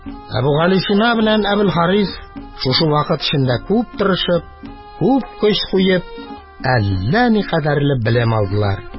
Әбүгалисина белән Әбелхарис шушы вакыт эчендә, күп тырышып, күп көч куеп, әллә никадәрле белем алдылар.